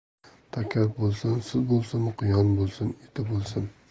taka bo'lsin suti bo'lsin quyon bo'lsin eti bo'lsin